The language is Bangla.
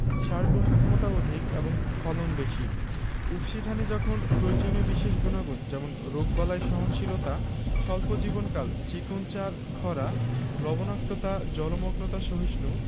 সার গ্রহণক্ষমতা অধিক এবং ফলন বেশি উফশী ধানে যখন প্রয়োজনীয় বিশেষ গুনাগুণ যেমন রোগবালাই সহনশীলতা স্বল্প জীবনকাল চিকন চাল খরা লবনাক্ততা জলমগ্নতা সহিষ্ণু